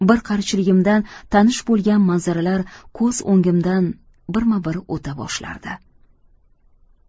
bir qarichligimdan tanish bo'lgan manzaralar ko'z o'ngimdan birma bir o'ta boshlardi